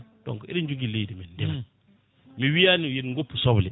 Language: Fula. donc eɗen jogui leydi men mi wiyani yen goppu soble